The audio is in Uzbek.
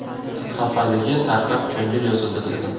xafaligi tarqab ko'ngli yozildi derdim